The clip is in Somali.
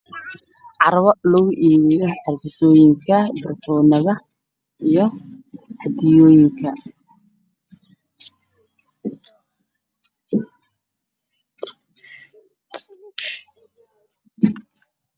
Carwo lagu ibiyo carfisooyinka barfuunada iyo Hadiyadooyinka